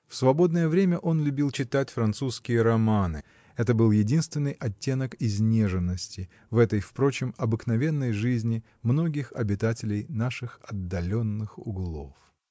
В свободное время он любил читать французские романы: это был единственный оттенок изнеженности в этой, впрочем обыкновенной, жизни многих обитателей наших отдаленных углов.